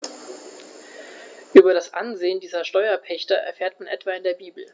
Über das Ansehen dieser Steuerpächter erfährt man etwa in der Bibel.